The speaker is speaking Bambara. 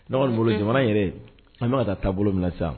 N' kɔni bolo jamana yɛrɛ an bɛ ka taa taabolo minɛ sisan